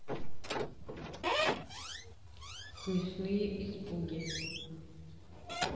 смешные испуги